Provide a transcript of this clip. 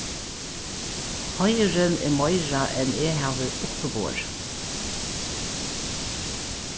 heiðurin er meira enn eg havi uppiborið